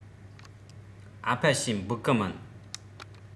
ཨ ཕ ཞེས འབོད གི མིན